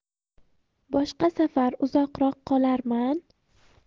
boshqa safar uzoqroq qolarman